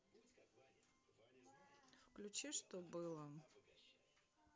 включи что было